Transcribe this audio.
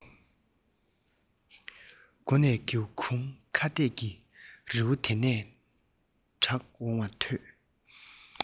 སྒོ ནས སྒེའུ ཁུང ཁ གཏད ཀྱི རི བོ དེ ནས གྲགས འོང བ ཐོས